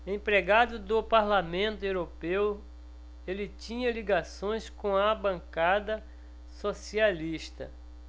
empregado do parlamento europeu ele tinha ligações com a bancada socialista